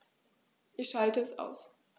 Ich schalte es aus.